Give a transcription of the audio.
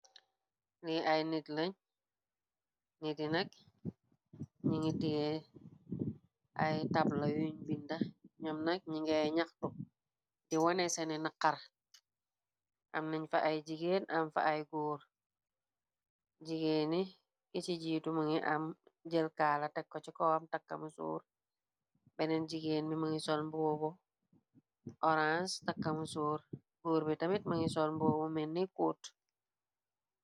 Li ay nit lañ ni di nag ñi ngi t ay tabla yuñ binda ñam nag ñi ngay ñaxtu. Di wone sani na xar am nañ fa ay jigeen. Am fa ay góor jigéeni ki ci jiitu mangi am jël kaala teko ci ko am takkamu sour. Beneen jigéen ni mangi sol boobu orange takkamu sour. Góur bi tamit mangi sol boobu menne cot.